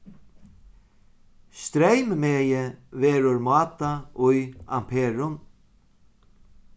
streymmegi verður mátað í amperum